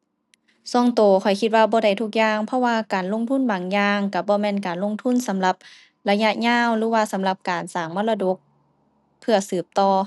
ส่วนตัวข้อยคิดว่าบ่ได้ทุกอย่าง เพราะว่าการลงทุนบางอย่างตัวบ่แม่นการลงทุนสำหรับระยะยาว หรือว่าสำหรับการสร้างมรดกเพื่อสืบต่อ